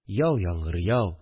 Яу, яңгыр, яу